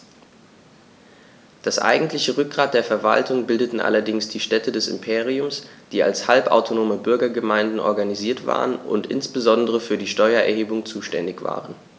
Das eigentliche Rückgrat der Verwaltung bildeten allerdings die Städte des Imperiums, die als halbautonome Bürgergemeinden organisiert waren und insbesondere für die Steuererhebung zuständig waren.